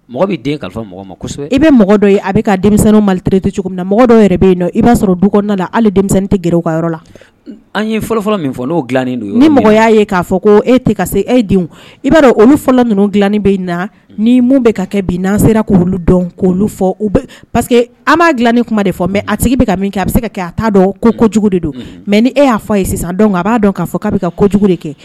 Mɔgɔ bɛ den mɔgɔ masɛbɛ i bɛ mɔgɔ dɔ a bɛ ka denmisɛnnin mali cogo min mɔgɔ dɔw yɛrɛ bɛ yen i b'a sɔrɔ du hali denmisɛnnin tɛ g ka yɔrɔ la an ye fɔlɔfɔlɔ min fɔ n'o dila ni mɔgɔ y'a ye'a fɔ ko e tɛ se e i b'a dɔn olu fɔlɔ ninnu dilain bɛ na ni minnu bɛ ka kɛ binan sera'olu dɔn ko'olu fɔ que an b'a dilai kuma de fɔ mɛ a tigi bɛ ka min kɛ a bɛ se a' dɔn ko ko jugu de don mɛ ni e y'a fɔ ye sisan a b'a dɔn k'a k' bɛ ko jugu de kɛ